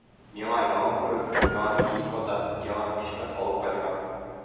Миңа яңа бүрек, яңа киез ката, яңа бишмәт алып кайткан